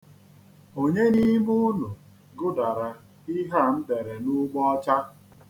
Onye n'ime unu gụdara ihe a m dere n'ugbo ọcha?